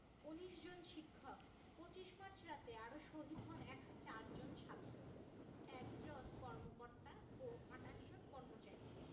১৯ জন শিক্ষক ২৫ মার্চ রাতে আরো শহীদ হন ১০৪ জন ছাত্র ১ জন কর্মকর্তা ও ২৮ জন কর্মচারী